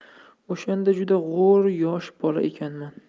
o'shanda juda g'o'r yosh bola ekanman